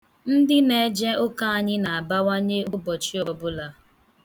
Ndị na-eje ụka anyị na-abawanye ụbọchị ọbụla.